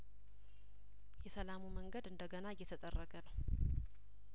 የሰላሙ መንገድ እንደገና እየተጠረገ ነው